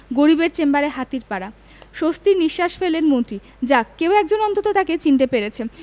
গরিবের চেম্বারে হাতির পাড়া স্বস্তির নিশ্বাস ফেললেন মন্ত্রী যাক কেউ একজন অন্তত তাঁকে চিনতে পেরেছে